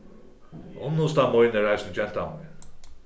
unnusta mín er eisini genta mín